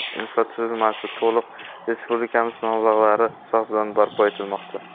transport infratuzilmasi to'liq respublikamiz mablag'lari hisobidan barpo etilmoqda